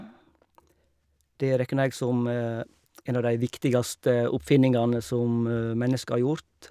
Det regner jeg som en av de viktigste oppfinnelsene som mennesket har gjort.